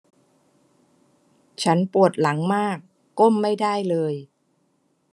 ฉันปวดหลังมากก้มไม่ได้เลย